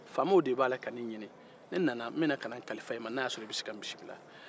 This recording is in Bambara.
faama de b'a la ka ne ɲini ne nana n bɛna kana kalifa e ma n'a y'a sɔrɔ e bɛ se ka ne bisimi la